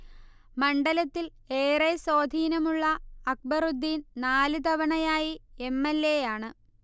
മണ്ഡലത്തിൽ ഏറെ സ്വാധീനമുള്ള അക്ബറുദ്ദീൻ നാല് തവണയായി എംഎൽഎയാണ്